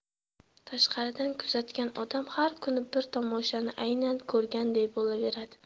tashqaridan kuzatgan odam har kuni bir tomoshani aynan ko'rganday bo'laveradi